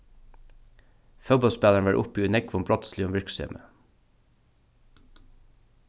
fótbóltsspælarin var uppi í nógvum brotsligum virksemi